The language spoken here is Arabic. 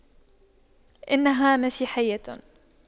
إنها مسيحية